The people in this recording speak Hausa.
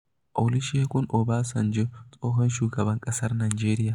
Olusegun Obasanjo, tsohon shugaban ƙasar Najeriya.